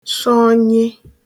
sọnye